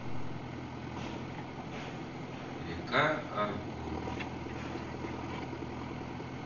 река аргунь